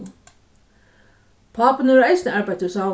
pápin hevur eisini arbeitt í savninum